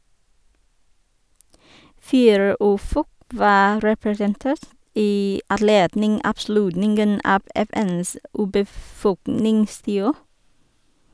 Fire urfolk var representert i anledning avslutningen av FNs urbefolkningstiår.